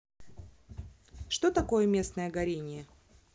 что такое местное горение